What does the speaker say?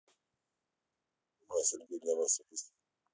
васильки для василисы